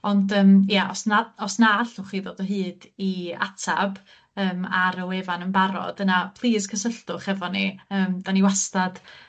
ond yym ia os na os na allwch chi ddod o hyd i atab yym ar y wefan yn barod yna plis cysylltwch efo ni yym 'dyn ni wastad